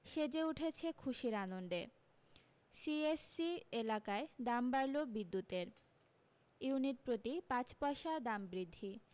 সেজে উঠেছে খুশির আনন্দে সিইএসসি এলাকায় দাম বাড়ল বিদ্যুতের ইউনিট প্রতি পাঁচ পয়সা দাম বৃদ্ধি